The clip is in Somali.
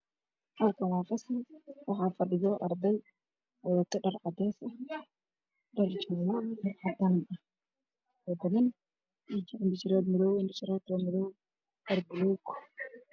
Halkan waa qasri waxaa fadhiya arday wadato dhar cadaan ah gabdhaha waxay wataan inta shareerka madow cad